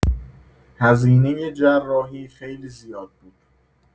هزینه جراحی خیلی زیاد بود.